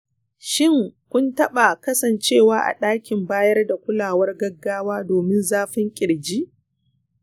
shin kun taɓa kasancewa a ɗakin bayar da kulawar gaggawa domin zafin ƙirji?